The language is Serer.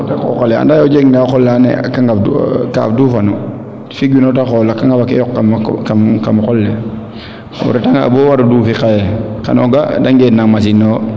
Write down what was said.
coté qoxqa le ande o jega nga qol la ando naye a qangaf kaaf dufano fig wino te xool a kangafa ke yoq kam qol le o reta nga bo waro dufik xaye xano ga'a de ngeen na machine ne wo